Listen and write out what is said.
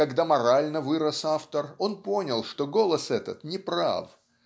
когда морально вырос автор он понял что голос этот не прав